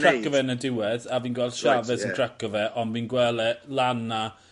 ...craco fe yn y diwedd a fi'n gweld Chaves craco fe on' fi'n gwel' e lan 'na ...